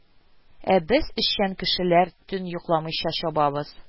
Ә без, эшчән кешеләр, төн йокламыйча чабабыз